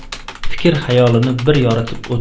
degan fikr xayolini bir yoritib utdi